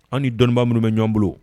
An ni dɔnnibaa minnu bɛ ɲɔgɔn bolo